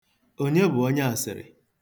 Onye bụ onyeasịrị?